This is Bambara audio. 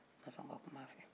a ma sɔn ka kum'a fɛ